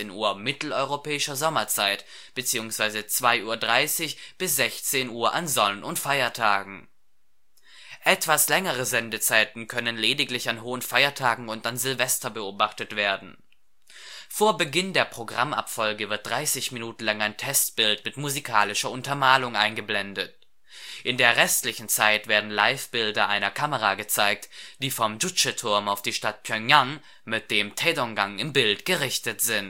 Uhr Mitteleuropäischer Sommerzeit, bzw. 2:30 Uhr bis 16:00 Uhr an Sonn - und Feiertagen). Etwas längere Sendezeiten können lediglich an hohen Feiertagen und Silvester beobachtet werden. Vor Beginn der Programmabfolge wird 30 Minuten lang ein Testbild mit musikalischer Untermalung eingeblendet. In der restlichen Zeit werden Live-Bilder einer Kamera gezeigt, die vom Juche-Turm auf die Stadt Pjöngjang (mit dem Taedong-gang im Bild) gerichtet ist. Seit